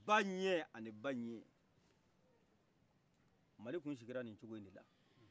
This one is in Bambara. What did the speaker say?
baɲɛ ani baɲi mali kun sigira ni cogodela